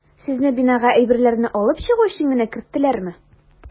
Сезне бинага әйберләрне алып чыгу өчен генә керттеләрме?